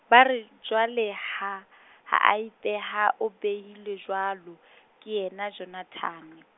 ba re, Joele ha, ha a ipeha, o behilwe jwalo, ke yena Jonathane.